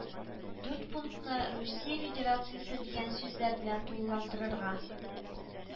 Дүрт пунктны русия федерациясе дигән сүзләр белән тулыландырырга